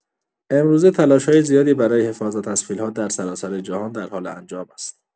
امروزه، تلاش‌های زیادی برای حفاظت از فیل‌ها در سراسر جهان در حال انجام است.